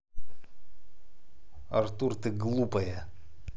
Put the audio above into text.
артур ты глупая